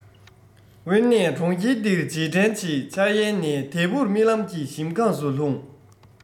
དབེན གནས གྲོང ཁྱེར འདིར རྗེས དྲན བྱེད འཆར ཡན ནས དལ བུར རྨི ལམ གྱི ཞིང ཁམས སུ ལྷུང